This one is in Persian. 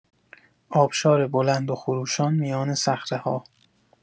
آبشار بلند و خروشان میان صخره‌ها